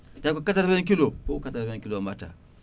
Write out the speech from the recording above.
tawi ko 80 kilos foo ko 80 kilos mbatta